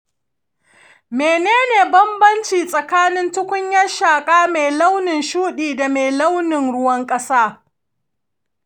mene ne bambanci tsakanin tukunyar shaka mai launin shuɗi da mai launin ruwan ƙasa?